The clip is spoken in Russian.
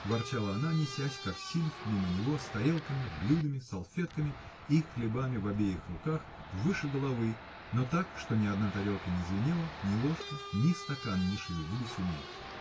— ворчала она, несясь, как сильф, мимо его с тарелками, блюдами, салфетками и хлебами в обеих руках, выше головы, но так, что ни одна тарелка не звенела, ни ложка, ни стакан не шевелились у ней.